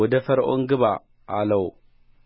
ወደ ፈርዖን ግባ አለው